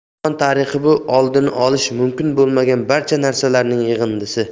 jahon tarixi bu oldini olish mumkin bo'lgan barcha narsalarning yig'indisi